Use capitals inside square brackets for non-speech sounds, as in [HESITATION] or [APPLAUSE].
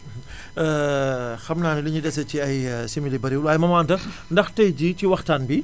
[HESITATION] [HESITATION] [HESITATION] xam naa ne li ñu dese ci ay simili bariwul waaye maman Anta [COUGHS] ndax tay jii ci waxtaan bi